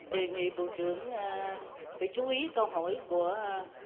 đề nghị bộ trưởng á phải chú ý câu hỏi của á